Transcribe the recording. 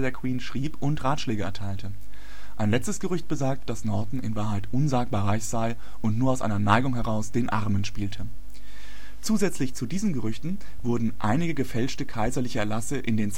Queen schrieb und Ratschläge erteilte. Ein letztes Gerücht besagt, dass Norton in Wahrheit unsagbar reich sei und nur aus einer Neigung heraus den Armen spielte. Zusätzlich zu diesen Gerüchten wurden einige gefälschte kaiserliche Erlasse in den